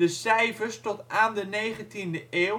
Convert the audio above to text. cijfers tot aan de negentiende eeuw